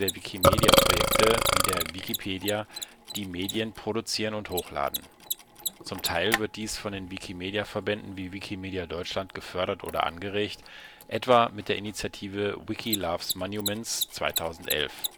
Wikimedia-Projekte wie der Wikipedia, die Medien " produzieren " und hochladen. Zum Teil wird dies von den Wikimedia-Verbänden wie Wikimedia Deutschland gefördert oder angeregt, etwa mit der Initiative Wiki Loves Monuments 2011